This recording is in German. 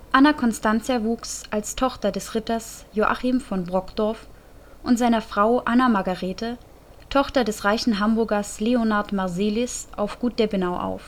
Anna Constantia wuchs als Tochter des Ritters Joachim von Brockdorff und seiner Frau Anna Margarethe, Tochter des reichen Hamburgers Leonhard Marselis, auf Gut Depenau